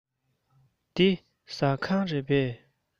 འདི ཟ ཁང རེད པས